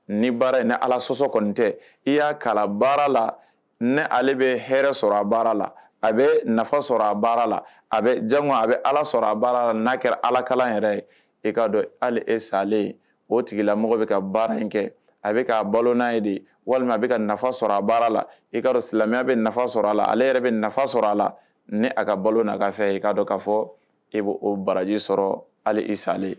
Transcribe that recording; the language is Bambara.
Ni baara ni ala sɔsɔ kɔni tɛ i y'a kala baara la ne ale bɛ h sɔrɔ a la a bɛ nafa sɔrɔ a baara la a bɛ ja a bɛ ala sɔrɔ a baara n'a kɛra ala kalan yɛrɛ ye e kaa dɔn e salen o tigilamɔgɔ bɛ ka baara in kɛ a bɛ ka balo' ye de walima a bɛ ka nafa sɔrɔ a baara la i ka silamɛya bɛ nafa sɔrɔ a la ale yɛrɛ bɛ nafa sɔrɔ a la ne a ka balo fɛ i ka fɔ e' o baraji sɔrɔ ali i salen